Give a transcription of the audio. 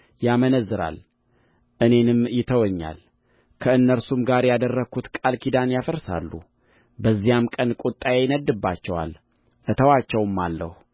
ያመነዝራል እኔንም ይተወኛል ከእነርሱም ጋር ያደረግሁትን ቃል ኪዳን ያፈርሳሉ በዚያም ቀን ቍጣዬ ይነድድባቸዋል እተዋቸውማለሁ